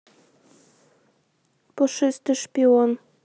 пушистый шпион